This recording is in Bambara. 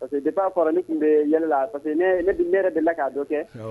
Parce que de b' fɔra ne tun bɛ yɛlɛ la parce que ne ne de la k'a don kɛ